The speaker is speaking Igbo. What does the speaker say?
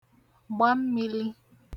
gba mmīlī